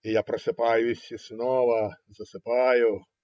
И я просыпаюсь и снова засыпаю.